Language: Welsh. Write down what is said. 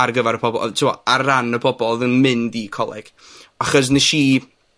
ar gyfer y pobo-, yy t'mo' ar ran y pobol odd yn mynd i coleg, achos nesh i